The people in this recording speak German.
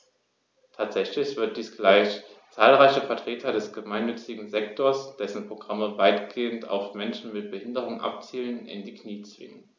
Tatsächlich wird dies gleich zahlreiche Vertreter des gemeinnützigen Sektors - dessen Programme weitgehend auf Menschen mit Behinderung abzielen - in die Knie zwingen.